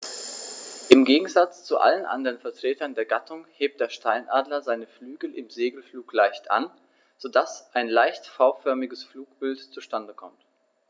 Im Gegensatz zu allen anderen Vertretern der Gattung hebt der Steinadler seine Flügel im Segelflug leicht an, so dass ein leicht V-förmiges Flugbild zustande kommt.